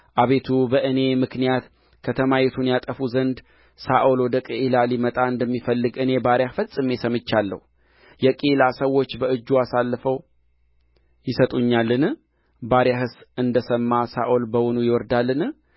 አቤቱ በእኔ ምክንያት ከተማይቱን ያጠፋ ዘንድ ሳኦል ወደ ቅዒላ ሊመጣ እንደሚፈልግ እኔ ባሪያህ ፈጽሜ ሰምቻለሁ የቅዒላ ሰዎች በእጁ አሳልፈው ይሰጡኛልን ባሪያህስ እንደ ሰማ ሳኦል በውኑ ይወርዳልን